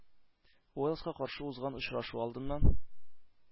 Уэльска каршы узган очрашу алдыннан